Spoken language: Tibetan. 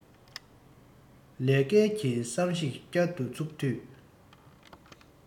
ལས སྐལ གྱི བསམ གཞིགས བསྐྱར དུ བཙུགས དུས